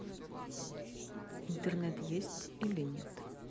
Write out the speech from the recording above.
интернет есть или нет